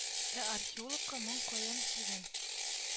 Ә археологка моң каян килгән